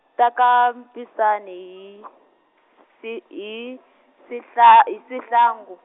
ta ka Mpisane hi, si, hi, sihla-, hi Sihlangu.